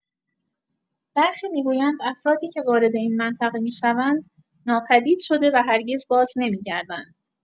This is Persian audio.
برخی می‌گویند افرادی که وارد این منطقه می‌شوند، ناپدید شده و هرگز بازنمی‌گردند.